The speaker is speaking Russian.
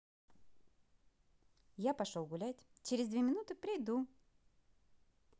я пошел гулять через две минуты приду